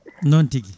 noon tigui